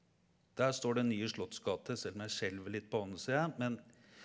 der står det Nye slottsgate selv om jeg skjelver litt på hånden ser jeg.